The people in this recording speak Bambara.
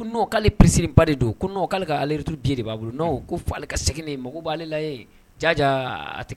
Ale ba bolo segin mako b'ale